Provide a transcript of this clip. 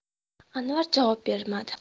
anvar javob bermadi